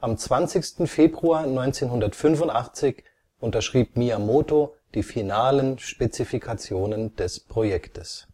Am 20. Februar 1985 unterschrieb Miyamoto die finalen Spezifikationen des Projektes